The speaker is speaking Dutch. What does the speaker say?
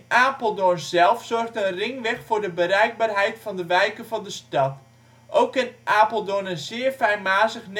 Apeldoorn zelf zorgt een ringweg voor de bereikbaarheid van de wijken van de stad. Ook kent Apeldoorn een zeer fijnmazig